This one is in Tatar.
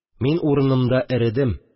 Мин урынымда эредем